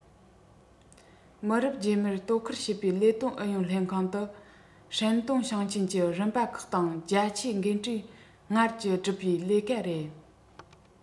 མི རབས རྗེས མར དོ ཁུར བྱེད པའི ལས དོན ཨུ ཡོན ལྷན ཁང དུ ཧྲན ཏུང ཞིང ཆེན གྱི རིམ པ ཁག དང རྒྱ ཆེའི རྒན གྲས ལྔར ཀྱིས བསྒྲུབས པའི ལས ཀ རེད